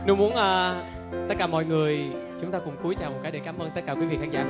nu muốn a tất cả mọi người chúng ta cùng cúi chào một cái để cám ơn tất cả quý vị khán giả